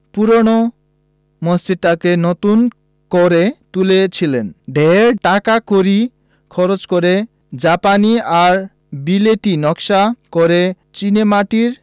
পূরোনো মসজিদটাকে নতুন করে তুলেছিলেন ঢের টাকাকড়ি খরচ করে জাপানি আর বিলেতী নকশা করা চীনেমাটির